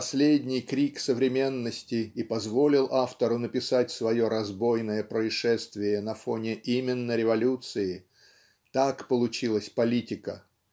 последний крик современности и позволил автору написать свое разбойное происшествие на фоне именно революции так получилась политика.